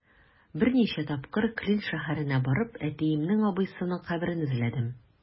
Берничә тапкыр Клин шәһәренә барып, әтиемнең абыйсының каберен эзләдем.